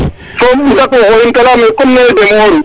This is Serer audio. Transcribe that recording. so im dako xoyin te leyame comme nene demo oru